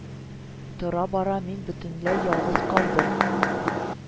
Тора-бара мин бөтенләй ялгыз калдым